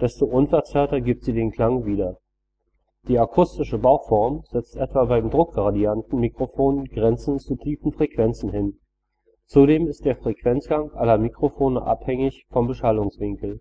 desto unverzerrter gibt sie den Klang wieder. Die akustische Bauform setzt etwa beim Druckgradientenmikrofon Grenzen zu tiefen Frequenzen hin; zudem ist der Frequenzgang aller Mikrofone abhängig vom Beschallungswinkel